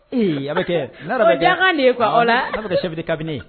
Ee a bɛ kɛdenya an de ye aw la sɛbɛnbi kabini